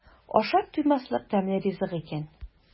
Ашап туймаслык тәмле ризык икән.